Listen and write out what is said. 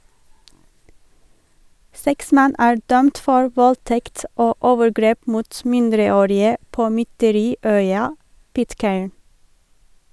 Seks menn er dømt for voldtekt og overgrep mot mindreårige på mytteri-øya Pitcairn.